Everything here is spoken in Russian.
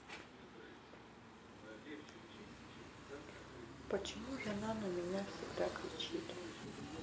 почему жена на меня всегда кричит